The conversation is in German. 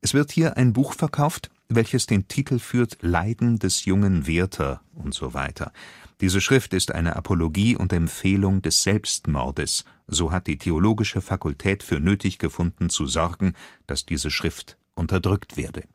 wird hier ein Buch verkauft welches den Titel führt, Leiden des jungen Werther usw. Diese Schrift ist eine Apologie und Empfehlung des Selbst Mordes […] so hat die theol. Fakultät für nötig gefunden zu sorgen, dass diese Schrift unterdrückt werde